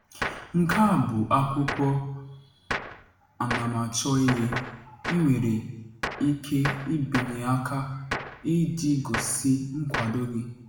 Nke a bụ akwụkwọ anamachọihe ị nwere ike ịbinye aka iji gosi nkwado gị.